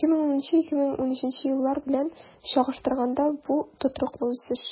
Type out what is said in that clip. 2010-2013 еллар белән чагыштырганда, бу тотрыклы үсеш.